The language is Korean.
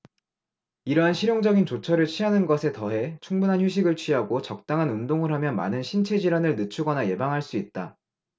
이러한 실용적인 조처를 취하는 것에 더해 충분한 휴식을 취하고 적당한 운동을 하면 많은 신체 질환을 늦추거나 예방할 수 있다